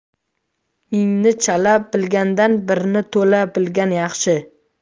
mingni chala bilgandan birni to'la bilgan yaxshi